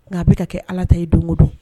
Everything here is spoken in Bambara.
Nka a bɛ ka kɛ ala ta ye don o don